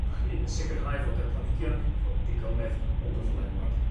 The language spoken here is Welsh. Ma' hynny yn sicirhau fod y planhigion efo digonedd o gyflenwad